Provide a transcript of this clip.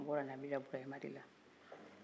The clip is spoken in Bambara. an bɔra nabila iburuhima de la